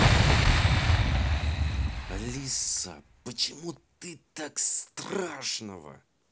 алиса почему ты так страшного